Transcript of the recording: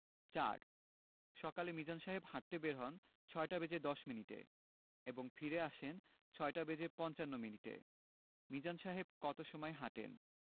৪ সকালে মিজান সাহেব হাঁটতে বের হন ৬টা বেজে ১০ মিনিটে এবং ফিরে আসেন ৬টা বেজে পঞ্চান্ন মিনিটে মিজান সাহেব কত সময় হাঁটেন